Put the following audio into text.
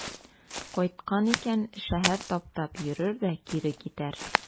Кайткан икән, шәһәр таптап йөрер дә кире китәр.